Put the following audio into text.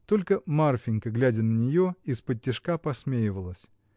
Только Марфинька, глядя на нее, исподтишка посмеивалась.